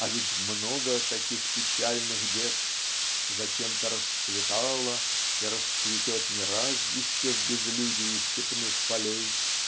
А ведь "много таких печальных детств зачем-то расцветало и расцветет не раз еще в безлюдии степных полей"